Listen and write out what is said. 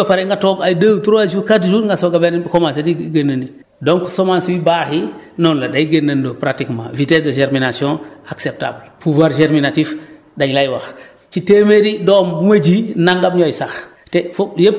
mais da ngay ji ba pare nga toog ay 2 ou 3 jour 4 jour nga soog a benn bi commencé di génn nii donc semence yu baax yi noonu la day génnandoo pratiquement vitesse de germination acceptable pouvoir germinatif dañu lay wax ci téeméeri doom bu may ji nangam ñooy sax te foofu yëpp